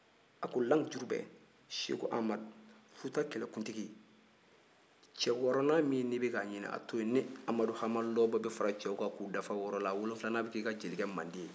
a ko lamijurube seku amadu futa kɛlɛkuntigi cɛ wɔɔrɔnan min n'i bɛ k'a ɲinin a to ne amadu hama lɔbɔ bɛ fara cɛw kan k'u dafa wɔɔrɔ la a wolonwulanan bɛ kɛ i ka jelikɛ mandi ye